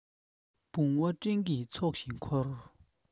བུང བ སྤྲིན གྱི ཚོགས བཞིན འཁོར